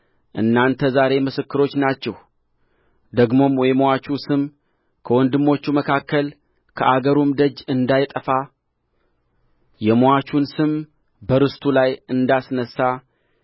እናንተ ዛሬ ምስክሮች ናችሁ ደግሞም የምዋቹ ስም ከወንድሞቹ መካከል ከአገሩም ደጅ እንዳይጠፋ የምዋቹን ስም በርስቱ ላይ እንዳስነሣ